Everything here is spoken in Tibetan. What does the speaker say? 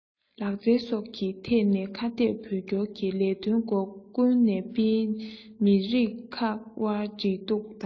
ལག རྩལ སོགས ཀྱི ཐད ནས ཁ གཏད བོད སྐྱོར གྱི ལས དོན སྒོ ཀུན ནས སྤེལ ནས མི རིགས ཁག དབར འབྲེལ གཏུག དང